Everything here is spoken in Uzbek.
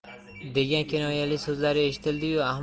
degan kinoyali so'zlari eshitildi yu